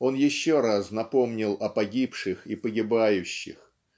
он еще раз напомнил о погибших и погибающих.